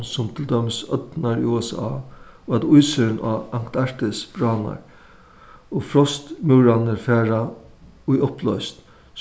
sum til dømis ódnirnar í usa og at ísurin á antarktis bráðnar og frostmúrarnir fara í upploysn